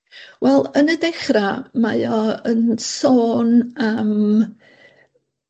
Wel yn y dechra mae o yn sôn am